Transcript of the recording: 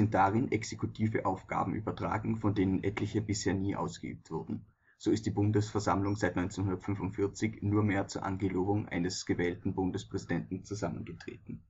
darin exekutive Aufgaben übertragen, von denen etliche bisher nie ausgeübt wurden. So ist die Bundesversammlung seit 1945 nur mehr zur Angelobung eines gewählten Bundespräsidenten zusammengetreten